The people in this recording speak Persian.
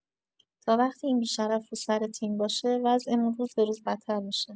تا وقتی این بی‌شرف رو سر تیم باشه وضعمون روز به‌روز بدتر می‌شه!